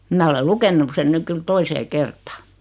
minä olen lukenut sen nyt kyllä toiseen kertaan